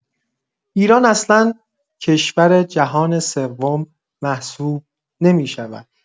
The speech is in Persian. ایران اصلا کشور جهان سوم محسوب نمی‌شود.